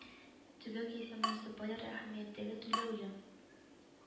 Төбәк яисә муниципальара әһәмияттәге түләүле